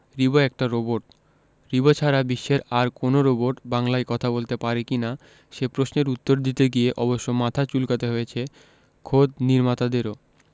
রিবো একটা রোবট রিবো ছাড়া বিশ্বের আর কোনো রোবট বাংলায় কথা বলতে পারে কি না সে প্রশ্নের উত্তর দিতে গিয়ে অবশ্য মাথা চুলকাতে হয়েছে খোদ নির্মাতাদেরও